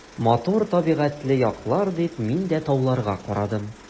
Матур табигатьле яклар, — дип мин дә тауларга карадым.